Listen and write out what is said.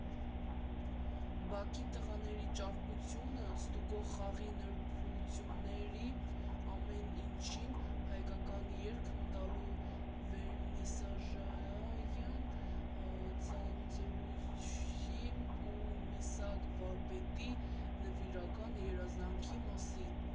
Բակի տղաների ճարպկությունը ստուգող խաղի նրբությունների, ամեն ինչին հայկական երանգ տալու, վերնիսաժյան ձանձրույթի ու Միսակ վարպետի նվիրական երազանքի մասին։